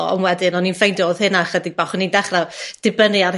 o on' wedyn o'n i'n ffeindio odd hynna chydig bach o'n i'n dechre dibynnu ar